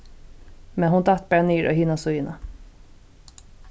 men hon datt bara niður á hina síðuna